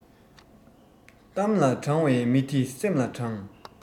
གཏམ ལ དྲང བའི མི དེ སེམས ལ དྲང